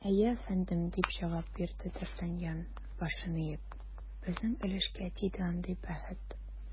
Әйе, әфәндем, - дип җавап бирде д’Артаньян, башын иеп, - безнең өлешкә тиде андый бәхет.